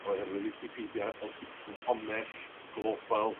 Oherwydd wicipedia ydi ffynhonnell global